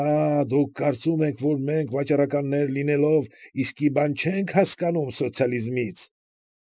Աա՜, դուք կարծում եք, որ մենք վաճառականներ լինելով՝ իսկի բան չենք հասկանում սոցիալիզմից։